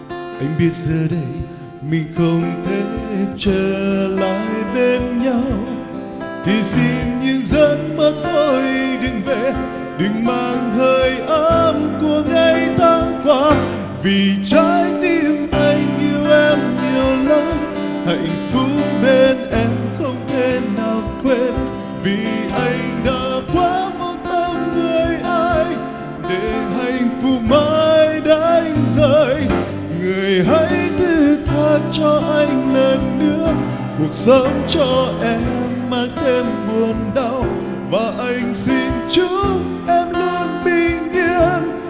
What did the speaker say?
anh biết giờ đây mình không thể trở lại bên nhau thì xin những giấc mơ thôi đừng về đừng mang hơi ấm của ngày tháng qua vì trái tim anh yêu em nhiều lắm hạnh phúc bên em không thể nào quên vì anh đã quá vô tâm người ơi để hạnh phúc mãi đánh rơi người hãy thứ tha cho anh lần nữa cuộc sống cho em mang thêm buồn đau và anh xin chúc em luôn bình yên